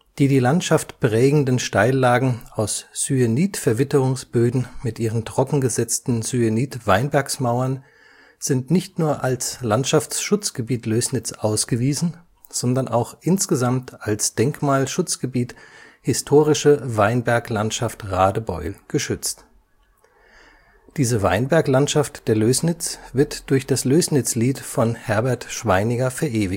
die Landschaft prägenden Steillagen aus Syenitverwitterungsböden mit ihren trockengesetzten Syenit-Weinbergsmauern sind nicht nur als Landschaftsschutzgebiet Lößnitz ausgewiesen, sondern auch insgesamt als Denkmalschutzgebiet Historische Weinberglandschaft Radebeul geschützt. Diese Weinberglandschaft der Lößnitz wird durch das Lößnitzlied von Herbert Schweiniger verewigt. Die